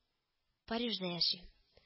— парижда яшим